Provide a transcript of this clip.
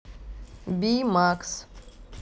bi max